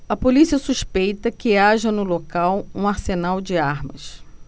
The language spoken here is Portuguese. a polícia suspeita que haja no local um arsenal de armas